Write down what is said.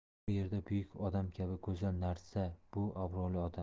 u yerda buyuk odam kabi go'zal narsa bu obro'li odam